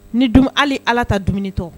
Ni dumi hali Ala ta dumunitɔ